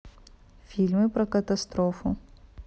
фильмы про катастрофу